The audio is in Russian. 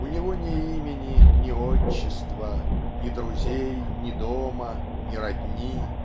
У него ни имени, ни отчества, Ни друзей, ни дома, ни родни